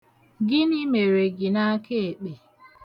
Gịnị mere gị n'akaekpe?